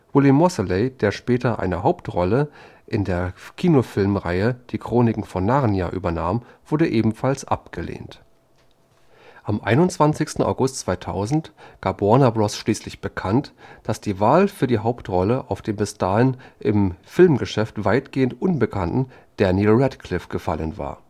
William Moseley, der später eine Hauptrolle in der Kinofilmreihe Die Chroniken von Narnia übernahm, wurde ebenfalls abgelehnt. Die drei Hauptdarsteller, v.l.n.r.: Daniel Radcliffe (Harry Potter), Rupert Grint (Ron Weasley) und Emma Watson (Hermine Granger) Am 21. August 2000 gab Warner Bros. schließlich bekannt, dass die Wahl für die Hauptrolle auf den bis dahin im Filmgeschäft weitestgehend unbekannten Daniel Radcliffe gefallen war